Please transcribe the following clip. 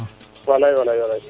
walay walaay